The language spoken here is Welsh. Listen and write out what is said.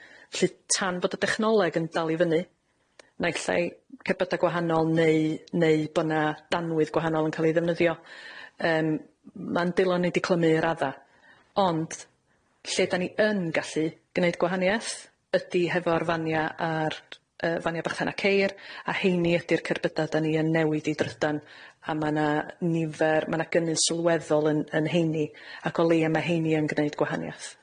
'lly tan fod y dechnoleg yn dal i fyny naill ai cerbyda' gwahanol neu neu bo'na danwydd gwahanol yn ca'l ei ddefnyddio yym ma'n dylo ni 'di clymu i radda', ond lle 'dan ni yn gallu, gneud gwahaniaeth, ydi hefo'r fania' ar yy fania' bychan a ceir a 'heini ydi'r cerbyda' 'dan ni yn newid i drydan a ma'na nifer, ma'na gynnydd sylweddol yn yn 'heini ac o leia' ma' 'heini yn gneud gwahaniaeth.